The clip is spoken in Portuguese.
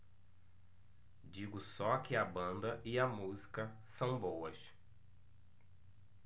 digo só que a banda e a música são boas